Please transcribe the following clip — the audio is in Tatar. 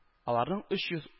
Аларның өч йөз